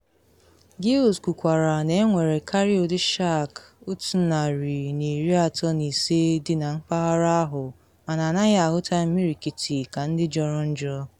Giles kwukwara na enwere karịa ụdị shark 135 dị na mpaghara ahụ, mana anaghị ahụta imirikiti ka ndị jọrọ njọ.